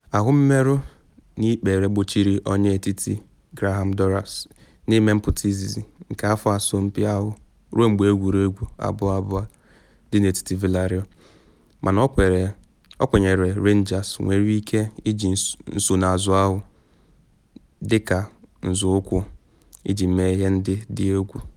Ahụ mmerụ n’ikpere gbochiri onye etiti Graham Dorrans n’ime mpụta izizi nke afọ asọmpi ahụ ruo mgbe egwuregwu 2-2 dị n’etiti Villareal mana ọ kwenyere Rangers nwere ike iji nsonaazụ ahụ dị ka nzọụkwụ iji mee ihe ndị dị egwu.